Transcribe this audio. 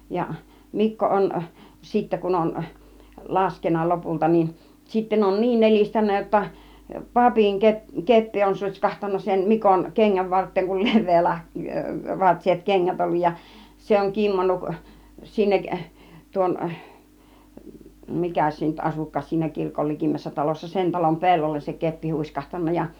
ja Mikko on sitten kun on laskenut lopulta niin sitten on niin nelistänyt jotta papin - keppi on sutskahtanut sen Mikon kengän varteen kun leveä - vartiset kengät ollut ja se on kimmonnut sinne tuon mikäs se nyt asuikaan siinä kirkon likimmässä talossa sen talon pellolle se keppi huiskahtanut ja